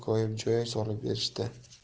koyib joy solib berishdi